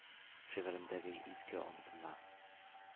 Шигъремдәге изге антына.